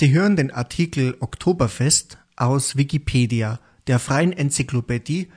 hören den Artikel Oktoberfest, aus Wikipedia, der freien Enzyklopädie